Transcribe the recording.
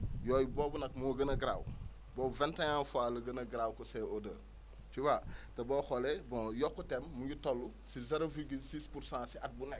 yooyu boobu nag moo gën a garaaw boobu vingt et un fois la gën a garaaw que CO2 tu vois boo xoolee bon yokkuteem mu ngi toll si zero virgule six pour cent ci at bu nekk